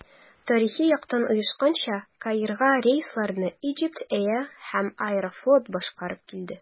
Тарихи яктан оешканча, Каирга рейсларны Egypt Air һәм «Аэрофлот» башкарып килде.